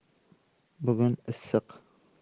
bugun issiq